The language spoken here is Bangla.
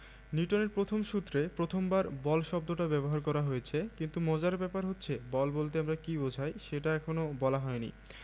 নিউটনের প্রথম সূত্রে প্রথমবার বল শব্দটা ব্যবহার করা হয়েছে কিন্তু মজার ব্যাপার হচ্ছে বল বলতে আমরা কী বোঝাই সেটা এখনো বলা হয়নি